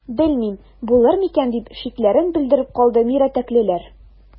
Белмим, булыр микән,– дип шикләрен белдереп калды мирәтәклеләр.